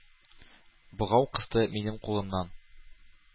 Богау кысты минем кулымнан.